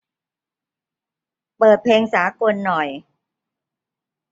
เปิดเพลงสากลหน่อย